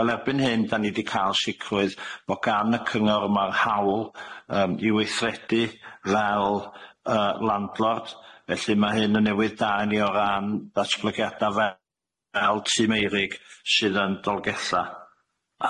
Wel erbyn hyn da ni di ca'l sicrwydd bo' gan y cyngor ma'r hawl yym i weithredu fel yy landlord, felly ma' hyn yn newydd da i ni o ran datblygiada fel Tŷ Meurig sydd yn Dolgella.